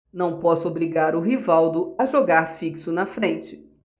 não posso obrigar o rivaldo a jogar fixo na frente